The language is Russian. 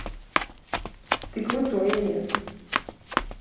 ты крутой нет